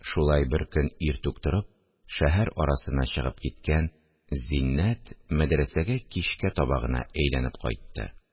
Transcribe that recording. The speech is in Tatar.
Шулай беркөн иртүк торып шәһәр арасына чыгып киткән Зиннәт мәдрәсәгә кичкә таба гына әйләнеп кайтты